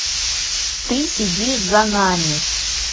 ты сидишь за нами